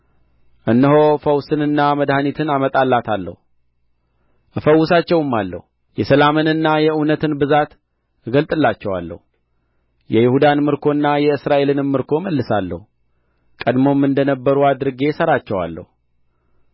እነሆ ፈውስንና መድኃኒትን አመጣላታለሁ እፈውሳቸውማለሁ የሰላምንና የእውነትን ብዛት እገልጥላቸዋለሁ የይሁዳን ምርኮና የእስራኤልንም ምርኮ እመልሳለሁ ቀድሞም እንደ ነበሩ አድርጌ እሠራቸዋለሁ